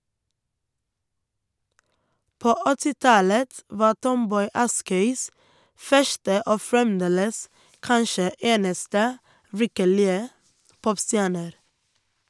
På 80-tallet var Tomboy Askøys første og fremdeles kanskje eneste virkelige popstjerner.